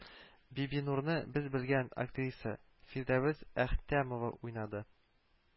Бибинурны без белгән актриса Фирдәвес Әхтәмова уйнады